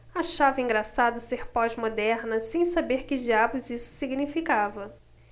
achava engraçado ser pós-moderna sem saber que diabos isso significava